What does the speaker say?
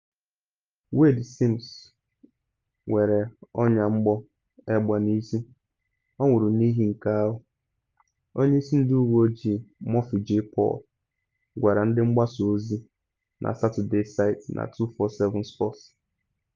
“Wayde Sims nwere ọnya mgbọ egbe n’isi, ọ nwụrụ n’ihi nke ahụ,” onye isi ndị uwe ojii Murphy J. Paul gwara ndị mgbasa ozi na Satọde, site na 247sports.